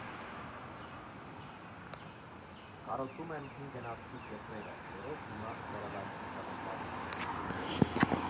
Կարոտում եմ հին գնացքի գծերը, որով հիմա Սարալանջի ճանապարհն է անցնում։